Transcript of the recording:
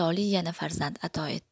tole yana farzand ato qildi